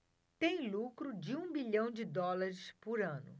tem lucro de um bilhão de dólares por ano